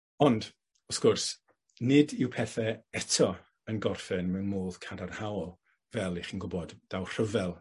Ond, wrth gwrs nid yw pethe eto yn gorffen mewn modd cadarnhaol fel 'ych chi'n gwbod, daw rhyfel